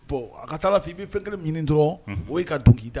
Bɔn a ka taa f i bɛi fɛn kelen ɲini dɔrɔn o ye ka don k'i da